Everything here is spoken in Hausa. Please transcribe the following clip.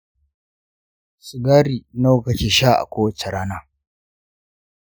sigari nawa kake sha a kowace rana?